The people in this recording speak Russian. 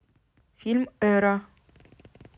фильм эра